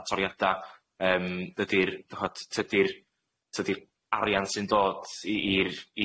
a toriada' yym dydi'r t'wod tydi'r tydi'r arian sy'n dod i i'r